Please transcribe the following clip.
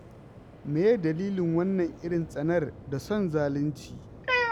Me ye dalilin wannan irin tsanar da son zalunci?